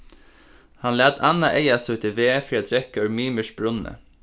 hann lat annað eyga sítt í veð fyri at drekka úr mimirs brunni